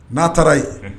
N'a taara yen